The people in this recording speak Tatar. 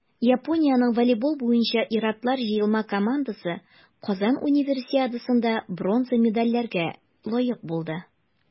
Япониянең волейбол буенча ир-атлар җыелма командасы Казан Универсиадасында бронза медальләргә лаек булды.